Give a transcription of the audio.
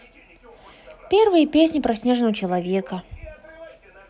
первые песни про снежного человека